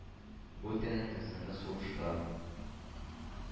Бу тәнемне соңгы сулышта.